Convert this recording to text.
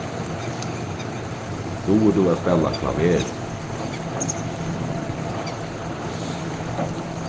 dugir tú at spæla klaver